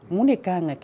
Mun de kan ka kɛ